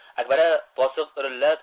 akbara bosiq irillab